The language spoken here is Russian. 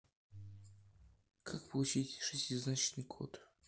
как получить шестизначный код